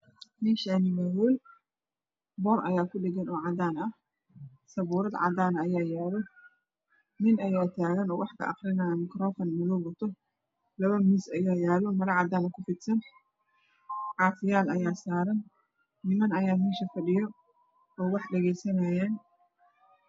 Meeshaani waa hool boor ayaa ku dhigan oo cadaan ah, sabuurdad cadaan ah ayaa yaalo nin ayaa taagan oo wax ka aqrinaayo oo maqaroofan madow ah wato labo miis ayaa yaalo marro cadaan ku fidsan caasiyaal ayaa saaran niman ayaa meesha fadhiyo oo wax dhageysanaayo.